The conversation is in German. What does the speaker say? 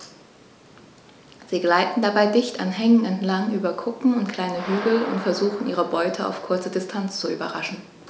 Sie gleiten dabei dicht an Hängen entlang, über Kuppen und kleine Hügel und versuchen ihre Beute auf kurze Distanz zu überraschen.